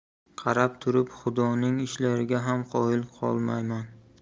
qarab turib xudoning ishlariga ham qoyil qolmayman